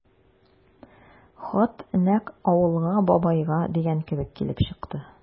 Хат нәкъ «Авылга, бабайга» дигән кебек килеп чыкты.